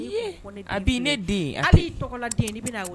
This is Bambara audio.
Iye. Abi ne den. Hali i tɔgɔ la den ni bi na we